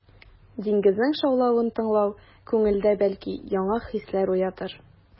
Диңгезнең шаулавын тыңлау күңелдә, бәлки, яңа хисләр уятыр.